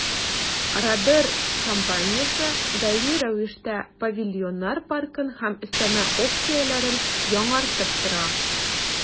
«родер» компаниясе даими рәвештә павильоннар паркын һәм өстәмә опцияләрен яңартып тора.